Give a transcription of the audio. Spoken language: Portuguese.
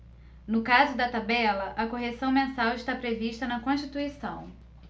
no caso da tabela a correção mensal está prevista na constituição